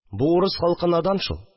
Бу урыс халкы надан шул